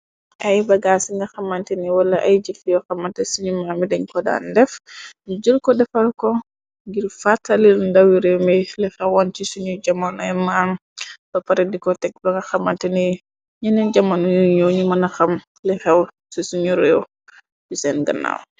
Ay bagaas yi nga xamante ni wala ay jëff yu xamante siñu mam yi dañ ko daan def, ñu jël ko defar ko ngir fatalil ndawi rewme li xewon ci suñu jamono maam, ba pare diko tek ba nga xamante ni ñeneen jamonu yu ñoow, ñu mëna xam li xew ci suñu réew bi seen gannaaw.